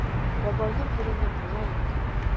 Бабайның борыны була инде.